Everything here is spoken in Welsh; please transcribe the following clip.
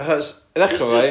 achos i ddechra efo hi...